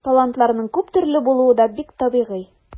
Талантларның күп төрле булуы да бик табигый.